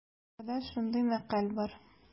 Татарларда шундый мәкаль бар.